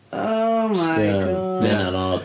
Oh my God... Mae hynna'n od.